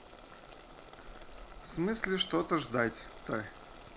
в смысле что ждать то